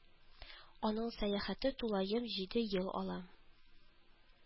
Аның сәяхәте тулаем җиде ел ала